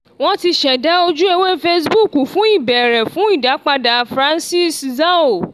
Wọ́n ti ṣẹ̀dá ojúewé Facebook fún ìbéèrè fún ìdápadà François Zahoui.